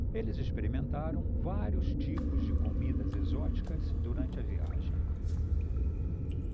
eles experimentaram vários tipos de comidas exóticas durante a viagem